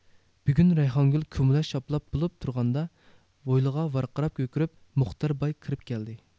بۈگۈن رەيھانگۈل كۇمىلاچ چاپلاپ بولۇپ تۇرغاندا ھويلىغا ۋارقىراپ كۆكىرىپ مۇختەر باي كىرىپ كەلدى